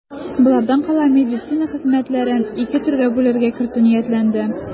Болардан кала медицина хезмәтләрен ике төргә бүләргә кертү ниятләнде.